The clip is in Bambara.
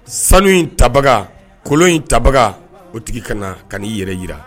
Sanu in tabaga kolon in tabaga o tigi ka na ka n'i yɛrɛ jira